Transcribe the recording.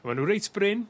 ma' n'w reit brin